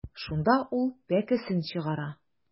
Шунда ул пәкесен чыгара.